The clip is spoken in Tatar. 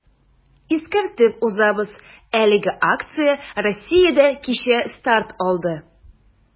Искәртеп узабыз, әлеге акция Россиядә кичә старт алды.